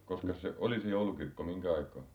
koskas se oli se joulukirkko mihinkä aikaan